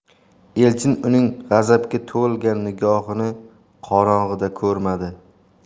elchin uning g'azabga to'lgan nigohini qorong'ida ko'rmadi